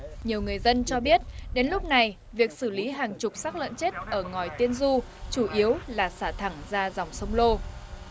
nhiều người dân cho biết đến lúc này việc xử lý hàng chục xác lợn chết ở ngòi tiên du chủ yếu là xả thẳng ra dòng sông lô